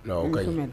Non o ka ɲin.